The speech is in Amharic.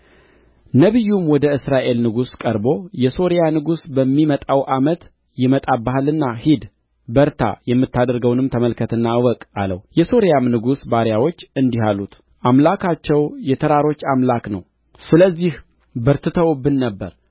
ነቢዩም ወደ እስራኤል ንጉሥ ቀርቦ የሶርያ ንጉሥ በሚመጣው ዓመት ይመጣብሃልና ሂድ በርታ የምታደርገውንም ተመልከትና እወቅ አለው የሶርያም ንጉሥ ባሪያዎች እንዲህ አሉት አምላካቸው የተራሮች አምላክ ነው ስለዚህ በርትተውብን ነበር